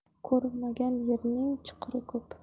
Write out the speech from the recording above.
ko'rmagan yerning chuquri ko'p